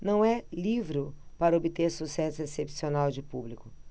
não é livro para obter sucesso excepcional de público